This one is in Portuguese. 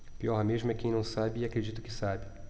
pior mesmo é quem não sabe e acredita que sabe